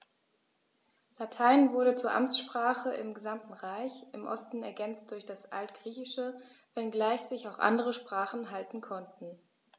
Latein wurde zur Amtssprache im gesamten Reich (im Osten ergänzt durch das Altgriechische), wenngleich sich auch andere Sprachen halten konnten.